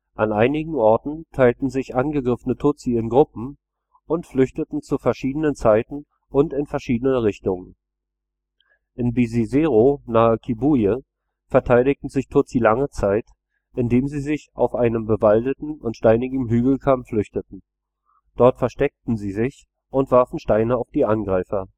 An einigen Orten teilten sich angegriffene Tutsi in Gruppen und flüchteten zu verschiedenen Zeiten und in verschiedene Richtungen. In Bisesero nahe Kibuye verteidigten sich Tutsi lange Zeit, indem sie sich auf einen bewaldeten und steinigen Hügelkamm flüchteten. Dort versteckten sie sich und warfen Steine auf die Angreifer